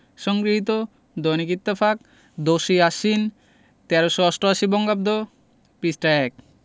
সংগৃহীত দৈনিক ইত্তেফাক ১০ই আশ্বিন ১৩৮৮ বঙ্গাব্দ পৃষ্ঠা – ১